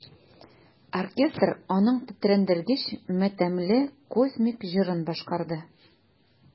Оркестр аның тетрәндергеч матәмле космик җырын башкарды.